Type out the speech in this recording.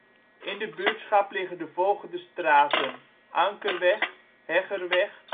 In de buurtschap liggen de volgende straten: Ankerweg Heggerweg